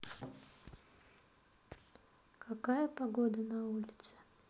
какая погода на улице